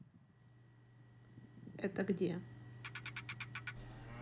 это где